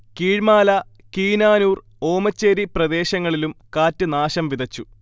കീഴ്മാല, കിനാനൂർ, ഓമച്ചേരി പ്രദേശങ്ങളിലും കാറ്റ് നാശംവിതച്ചു